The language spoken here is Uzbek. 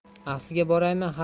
axsiga boraymi ha